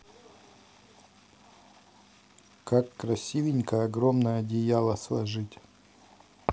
как красивенько огромное одеяло сложить